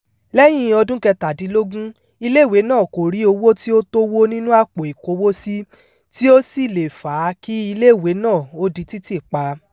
Lẹ́yìn-in ọdún kẹtàdínlógún, iléèwé náà kò rí owó tí ó tówó nínú àpò ìkówó sí tí ó sì leè fa kí iléèwé náà ó di títì pa.